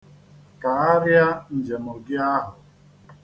Kagharịa njem gị ahụ.